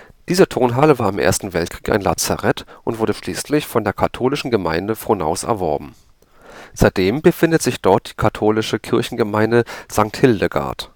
Diese Turnhalle war im Ersten Weltkrieg ein Lazarett und wurde schließlich von der katholischen Gemeinde Frohnaus erworben. Seitdem befindet sich dort die katholische Kirchengemeinde St. Hildegard